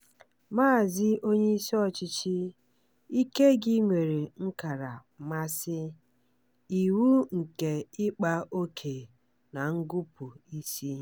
Maazị onye isi ọchịchị, ike gị nwere nkaramasị iwu nke ịkpa oke na ngụpusị.